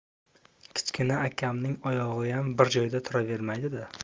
kichkina akamning oyog'iyam bir joyda turavermaydida